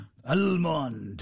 Almond!